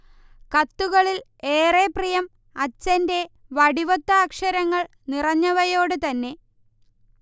കത്തുകളിൽ ഏറെ പ്രിയം അച്ഛന്റെ വടിവൊത്ത അക്ഷരങ്ങൾ നിറഞ്ഞവയോട് തന്നെ